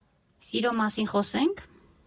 ֊ Սիրո մասին խոսե՞նք։